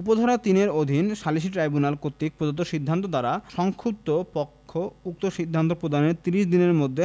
উপ ধারা ৩ এর অধীন সালিসী ট্রাইব্যুনাল কর্তৃক প্রদত্ত সিদ্ধান্ত দ্বারা সংক্ষুব্ধ পক্ষ উক্ত সিদ্ধান্ত প্রদানের ত্রিশ দিনের মধ্যে